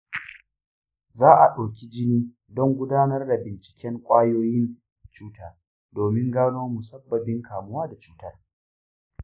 za a ɗoki jini don gudanar da binciken ƙwayoyin cuta domin gano musabbabin kamuwa da cutar